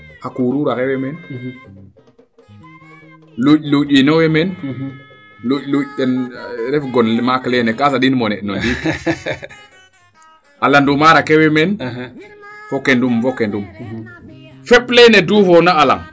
xa koruur axe way meen luunj luunjiin owey meen lunj luunj ten ref gon maak leene kaa sandin mo ne na ndiig a landumarake way meen fo kenum fo kenum fep leene dufoona a laŋ